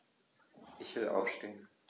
Ich will aufstehen.